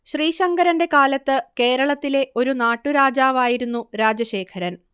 ശ്രീശങ്കരന്റെ കാലത്ത് കേരളത്തിലെ ഒരു നാട്ടു രാജാവായിരുന്നു രാജശേഖരൻ